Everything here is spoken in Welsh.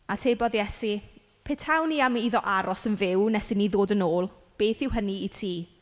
Atebodd Iesu petawn i am iddo aros yn fyw nes i ni ddod yn ôl, beth yw hynny i ti?